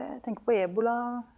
jeg tenker på ebola.